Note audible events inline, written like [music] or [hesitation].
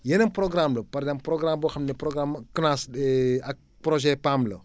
yeneen programme la par exemple programme boo xam ne programme CNAAS [hesitation] ak projet PAM la